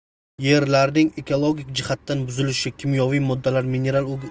yerlarning ekologik jihatdan buzilishi kimyoviy moddalar mineral